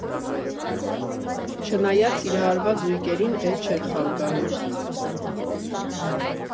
Չնայած սիրահարված զույգերին էտ չէր խանգարում։